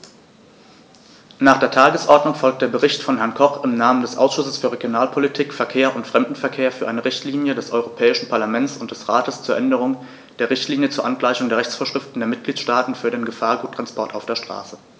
Nach der Tagesordnung folgt der Bericht von Herrn Koch im Namen des Ausschusses für Regionalpolitik, Verkehr und Fremdenverkehr für eine Richtlinie des Europäischen Parlament und des Rates zur Änderung der Richtlinie zur Angleichung der Rechtsvorschriften der Mitgliedstaaten für den Gefahrguttransport auf der Straße.